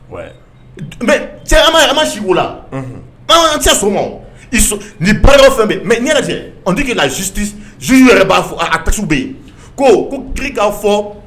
Si la bamanan cɛ so ni ba fɛn bɛ mɛ tɛ yɛrɛ b'a fɔ kasi bɛ yen ko ko'a fɔ